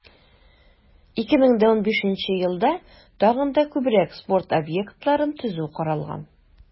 2015 елда тагын да күбрәк спорт объектларын төзү каралган.